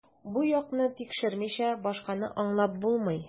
Бу якны тикшермичә, башканы аңлап булмый.